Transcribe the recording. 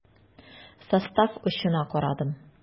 Состав очына карадым.